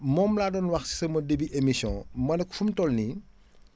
moom laa doon wax si sama début émission ma ne ko fu mu toll nii